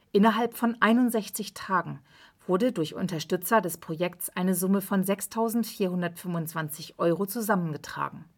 Innerhalb von 61 Tagen wurde durch Unterstützer des Projekts eine Summe von 6425 Euro zusammengetragen